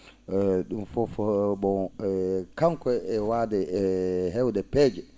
?um fof bon kanko e waawde e heewde peeje